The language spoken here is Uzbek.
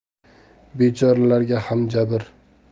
bechoralarga ham jabr